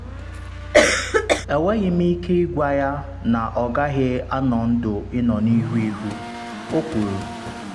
“Enweghị m ike ịgwa ya na ọ gaghị anọ ndụ ịnọ n’ihu ihu’.” o kwuru.